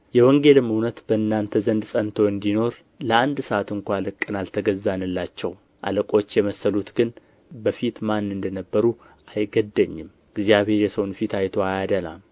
የወንጌልም እውነት በእናንተ ዘንድ ጸንቶ እንዲኖር ለአንድ ሰዓት እንኳ ለቅቀን አልተገዛንላቸውም አለቆች የመሰሉት ግን በፊት ማን እንደ ነበሩ አይገደኝም እግዚአብሔር የሰውን ፊት አይቶ አያደላም